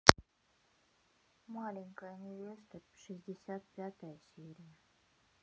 маленькая невеста шестьдесят пятая серия